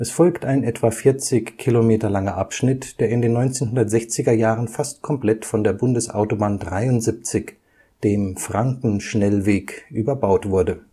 folgt ein etwa 40 km langer Abschnitt, der in den 1960er Jahren fast komplett von der Bundesautobahn 73 (Frankenschnellweg) überbaut wurde